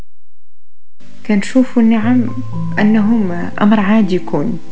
كن شوفو نعم انهم امر عادي يكون